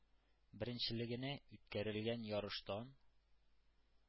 Беренчелегенә үткәрелгән ярыштан